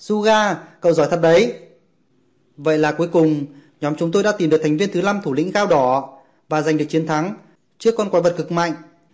suaga cậu giỏi thật đấy vậy là cuối cùng nhóm tôi đã tìm đc gao đỏ và chiến thắng